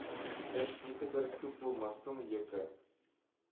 Эш никадәр күп булмасын, йокы